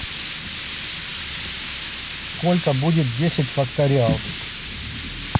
сколько будет десять факториал